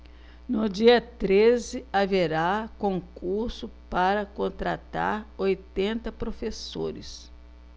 no dia treze haverá concurso para contratar oitenta professores